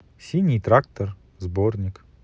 синий трактор сборник